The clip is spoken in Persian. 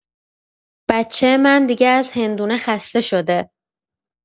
بچه من دیگه از هندونه خسته شده.